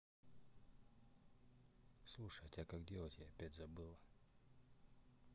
слушай а тебя как делать я опять забыла